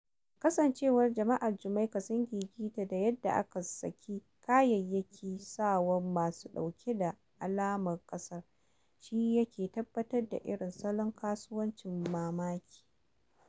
Kasancewar jama'ar Jamaika sun gigita da yadda aka saki kayyakin sawan masu ɗauke da alamun ƙasar shi yake tabbatar da irin salon kasuwancin mamaki.